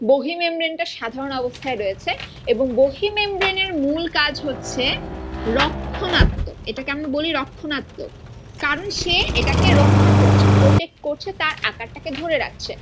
বহি মেমব্রেন টা সাধারণ অবস্থায় রয়েছে এবং বহি মেমব্রেন এর মূল কাজ হচ্ছে রক্ষণাত্মক এটাকে আমরা বলি রক্ষণাত্মক কারণ সে এটাকে রক্ষা করছে প্রটেক্ট করছে তার আকার টা কে ধরে রাখছে